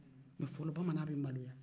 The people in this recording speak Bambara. mɛ fɔlɔ bamanan bɛ maloya